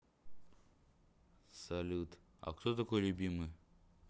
салют а кто такой любимый